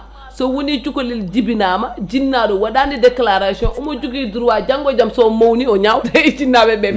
sowoni cukalel jibinama jinnaɗo waɗani déclaration omo jogui droit janggo e jaam so mawni o ñawda e jinnaɓeɓe